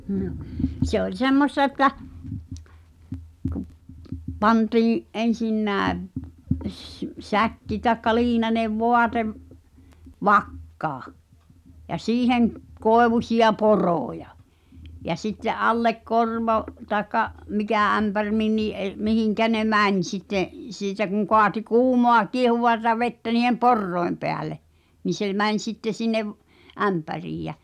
no se oli semmoista että kun pantiin ensinnäkin - säkki tai liinainen vaate vakkaan ja siihen koivuisia poroja ja sitten alle korvo tai mikä ämpäri minkäkin - mihin ne meni sitten siitä kun kaatoi kuumaa kiehuvaa vettä niiden porojen päälle niin se meni sitten sinne ämpäriin ja